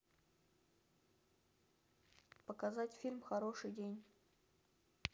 показать фильм хороший день